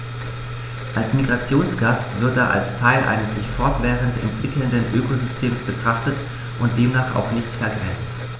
Als Migrationsgast wird er als Teil eines sich fortwährend entwickelnden Ökosystems betrachtet und demnach auch nicht vergrämt.